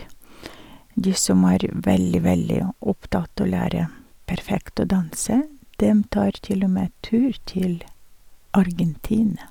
De som er veldig, veldig opptatt å lære perfekt å danse, dem tar til og med tur til Argentina.